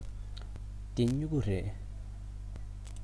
འདི སྨྱུ གུ རེད